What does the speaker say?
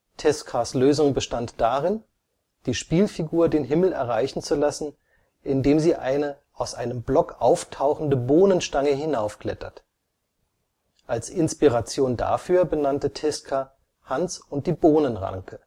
Tezukas Lösung bestand darin, die Spielfigur den Himmel erreichen zu lassen, indem sie eine aus einem Block auftauchende Bohnenstange hinaufklettert. Als Inspiration dafür benannte Tezuka Hans und die Bohnenranke